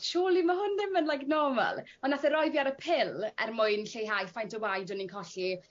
surely ma' hwn ddim yn like normal on' nath e roi fi ar y pil er mwyn lleihau faint o waed o'n i'n colli